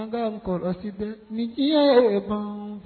An ka n kɔlɔsisi tɛ ni i y'a yɛrɛ yɛrɛ pan